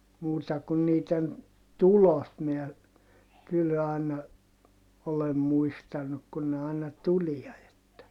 muuta kuin niiden tulot minä kyllä aina olen muistanut kun ne aina tulee että